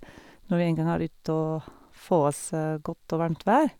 Når vi en gang har ut å få oss godt og varmt vær.